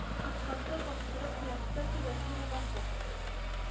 Кыскасы бастырып куясы да түбәсен ябасы